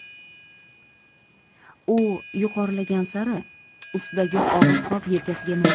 u yuqorilagan sari ustidagi og'ir qop yelkasiga